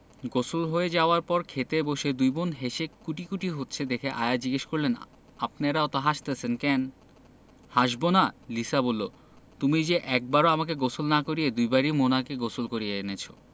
গোসল হয়ে যাবার পর খেতে বসে দুই বোন হেসে কুটিকুটি হচ্ছে দেখে আয়া জিজ্ঞেস করলেন আপনেরা অত হাসতাসেন ক্যান হাসবোনা লিসা বললো তুমি যে আমাকে একবারও গোসল না করিয়ে দুবারই মোনাকে গোসল করিয়ে এনেছো